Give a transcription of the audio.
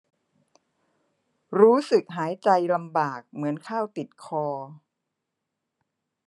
รู้สึกหายใจลำบากเหมือนข้าวติดคอ